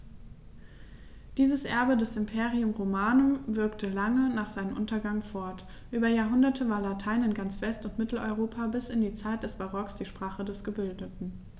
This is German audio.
Dieses Erbe des Imperium Romanum wirkte lange nach seinem Untergang fort: Über Jahrhunderte war Latein in ganz West- und Mitteleuropa bis in die Zeit des Barock die Sprache der Gebildeten.